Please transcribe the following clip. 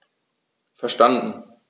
Verstanden.